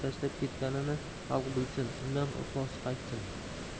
tashlab ketganini xalq bilsin undan ixlosi qaytsin